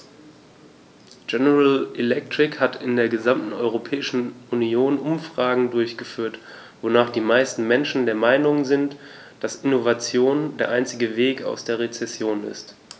General Electric hat in der gesamten Europäischen Union Umfragen durchgeführt, wonach die meisten Menschen der Meinung sind, dass Innovation der einzige Weg aus einer Rezession ist.